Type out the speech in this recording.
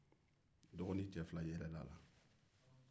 dɔgɔnin cɛ fila yɛlɛla a la